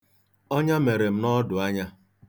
Ọnya mere m n'ọdụanya.